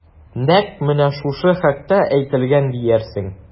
Нәкъ менә шушы хакта әйтелгән диярсең...